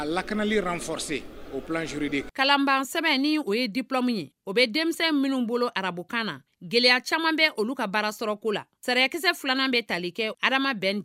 ka lakanali renforcer sr le plan jurudique lkalanban sɛbɛn ni o ye diplome min ye o bɛ denmisɛn minnu bolo arabukan na gɛlɛya caaman bɛ olu kan baara sɔrɔ ko la sariyakisɛ fana bɛ tali kɛ hadama bɛn